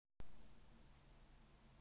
да мы будем друзьями